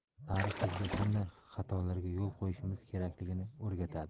tarix bizga qanday xatolarga yo'l qo'yishimiz kerakligini o'rgatadi